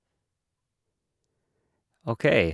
OK.